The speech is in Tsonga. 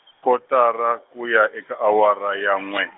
kotara kuya eka awara ya n'we.